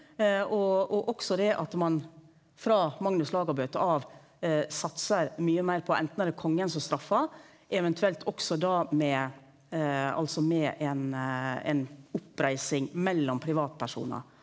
og og også det at ein frå Magnus Lagabøte av satsar mykje meir på enten er det kongen som straffar, eventuelt også da med altså med ein ein oppreising mellom privatpersonar,